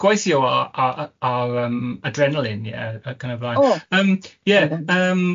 Gwaithio ar ar ar yym adrenaline ie a kind of like... O. ...yym ie yym.